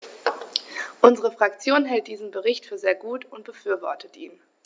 Unsere Fraktion hält diesen Bericht für sehr gut und befürwortet ihn.